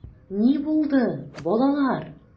Ни булды, балалар?